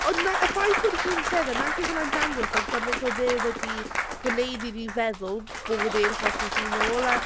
Ond na, y ffaith bod hi'n llefen, nagyw hwnna'n dangos fel gyment odd e wedi, gwneud iddi feddwl bod e'n hoffi hi nôl, a...